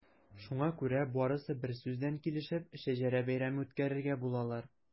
Шуңа күрә барысы берсүздән килешеп “Шәҗәрә бәйрәме” үткәрергә булалар.